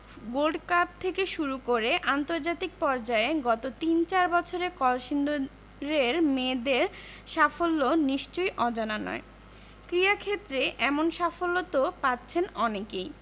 gold cup থেকে শুরু করে আন্তর্জাতিক পর্যায়ে গত তিন চার বছরে কলসিন্দুরের মেয়েদের সাফল্য নিশ্চয়ই অজানা নয় ক্রীড়াক্ষেত্রে এমন সাফল্য তো পাচ্ছেন অনেকেই